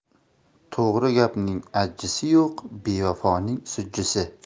to'g'ri gapning ajjisi yo'q bevafoning sujjisi